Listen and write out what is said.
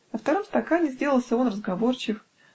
На втором стакане сделался он разговорчив